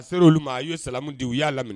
A ser'olu ma a ye salamu di u y'a laminɛ